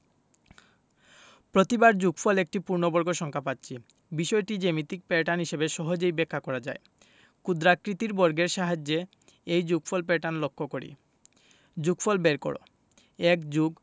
প্রতিবার যোগফল একটি পূর্ণবর্গ সংখ্যা পাচ্ছি বিষয়টি জ্যামিতিক প্যাটার্ন হিসেবে সহজেই ব্যাখ্যা করা যায় ক্ষুদ্রাকৃতির বর্গের সাহায্যে এই যোগফল প্যাটার্ন লক্ষ করি যোগফল বের করঃ ১+